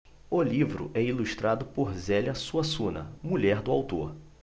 o livro é ilustrado por zélia suassuna mulher do autor